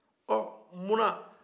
ɔ mun na